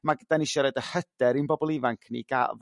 ma'... Da ni isio roid y hyder i'n bobol ifanc ni ga'l